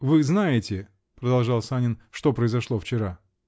-- Вы знаете, -- продолжал Санин, -- что произошло вчера?